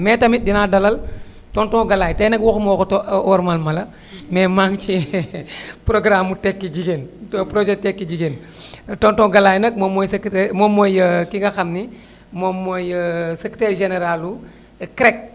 mais tamit dinaa dalal tonton Galaye tey waxuma waxu to wormaal ma la mais maa ngi ci programme mu tekki jigéen projet tekki jigéen tonton Galaye nag moom mooy secretaire moom mooy ki nga xam ni moom mooy % secretaire général lu CREC